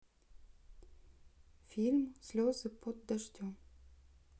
фильм слезы под дождем